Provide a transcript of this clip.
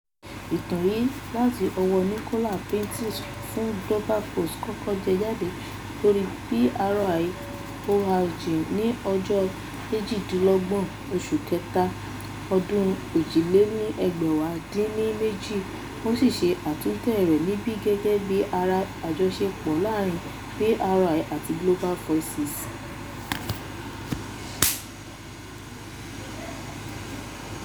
Ìtàn yìí láti ọwọ́ Nicola Prentis fún Global post kókó jẹ jáde lórí PRI.org ní ọjọ́ 28 oṣù Kẹta, ọdún 2018, wọ́n sì ṣe àtúntẹ̀ rẹ̀ níbi gẹ́gẹ́ bíi ara àjọṣepọ̀ láàárín PRI àti Global Voices.